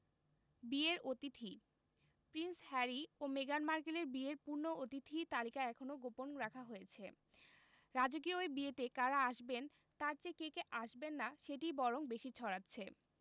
বিয়ের অতিথি prince Harry ও মেগান মার্কেলের বিয়ের পূর্ণ অতিথি তালিকা এখনো গোপন রাখা হয়েছে রাজকীয় এই বিয়েতে কারা আসবেন তার চেয়ে কে কে আসবেন না সেটিই বরং বেশি ছড়াচ্ছে